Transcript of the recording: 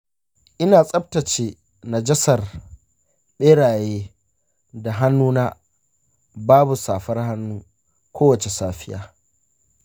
ina tsaftace najasar beraye da hannuna babu safar hannu kowace safiya.